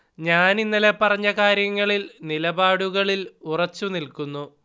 ഞാൻ ഇന്നലെ പറഞ്ഞ കാര്യങ്ങളിൽ, നിലപാടുകളിൽ ഉറച്ചു നില്കുന്നു